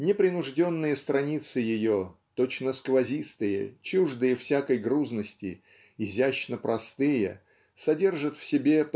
Непринужденные страницы ее точно сквозистые чуждые всякой грузности изящно-простые содержат в себе